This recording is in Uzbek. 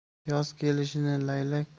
yoz kelishini laylak